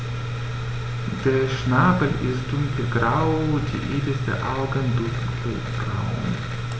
Der Schnabel ist dunkelgrau, die Iris der Augen dunkelbraun.